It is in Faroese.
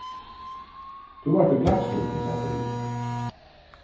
tú vart í klaksvík um ta tíðina